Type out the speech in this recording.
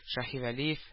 Шаһивәлиев